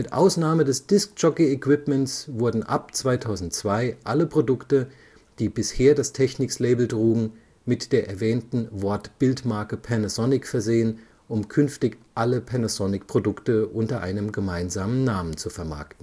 Ausnahme des Discjockey-Equipments wurden ab 2002 alle Produkte, die bisher das Technics-Label trugen, mit der erwähnten Wort-Bild-Marke Panasonic versehen, um künftig alle Panasonic-Produkte unter einem gemeinsamen Namen zu vermarkten